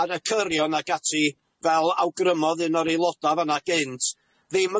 ar y cyrion ag ati fel awgrymodd un o'r aeloda' fanna gynt ddim